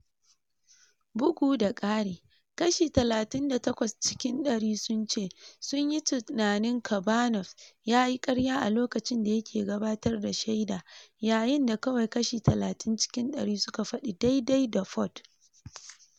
Bugu da ƙari, kashi 38 cikin dari sun ce sunyi tunanin Kavanaugh ya yi ƙarya a lokacin da yake gabatar da shaida, yayin da kawai kashi 30 cikin dari suka faɗi daidai da Ford.